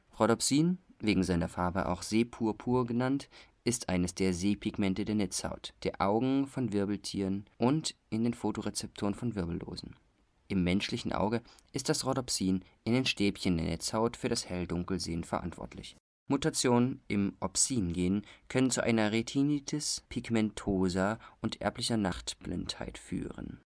Rhodopsin, wegen seiner Farbe auch Sehpurpur genannt, ist eines der Sehpigmente in der Netzhaut (Retina) der Augen von Wirbeltieren (Vertebraten) und in den Photorezeptoren von Wirbellosen (Invertebraten). Im menschlichen Auge ist das Rhodopsin in den Stäbchen der Netzhaut für das Hell-Dunkel-Sehen verantwortlich. Mutationen im Opsin-Gen können zu einer Retinitis pigmentosa und erblicher Nachtblindheit führen